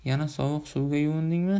yana sovuq suvga yuvindingmi